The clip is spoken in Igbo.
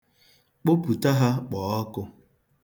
Kpopụta ha kpọọ ọkụ.